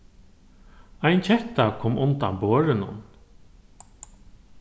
ein ketta kom undan borðinum